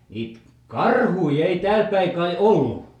niitä karhuja ei täällä päin kai ollut